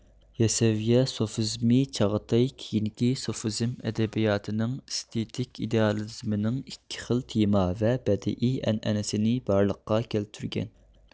يەسەۋىيە سوفىزمى چاغاتاي كېيىنكى سوفىزم ئەدەبىياتىنىڭ ئېستېتىك ئىدېئالىزمنىڭ ئىككى خىل تېما ۋە بەدىئىي ئەنئەنىسىنى بارلىققا كەلتۈرگەن